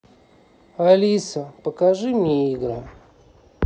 алиса покажи мне игры